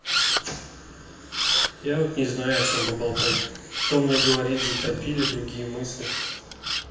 я вот не знаю о чем поболтать то мне говорит затопили другие мысли